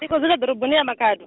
ndi khou dzula ḓoroboni ya Makhado.